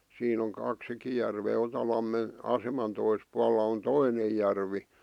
siinä on kaksikin järveä Otalammen aseman toisella puolella on toinen järvi